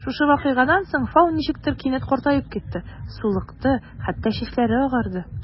Шушы вакыйгадан соң Фау ничектер кинәт картаеп китте: сулыкты, хәтта чәчләре агарды.